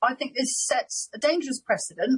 I think this sets a dangerous precedent.